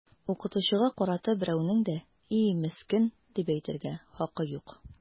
Укытучыга карата берәүнең дә “и, мескен” дип әйтергә хакы юк!